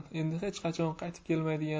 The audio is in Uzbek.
endi hech qachon qaytib kelmaydigan